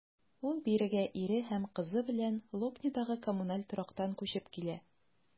Ул бирегә ире һәм кызы белән Лобнядагы коммуналь торактан күчеп килә.